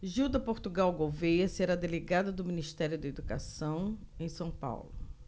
gilda portugal gouvêa será delegada do ministério da educação em são paulo